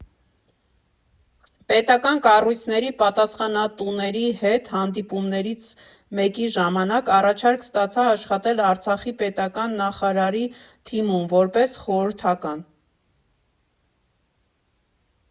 Պետական կառույցների պատասխանատուների հետ հանդիպումներից մեկի ժամանակ առաջարկ ստացա աշխատել Արցախի պետական նախարարի թիմում որպես խորհրդական։